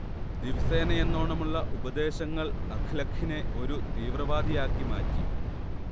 ദിവസേനയെന്നോണമുള്ള ഉപദേശങ്ങൾ അഖ്ലഖിനെ ഒരു തീവ്രവാദിയാക്കി മാറ്റി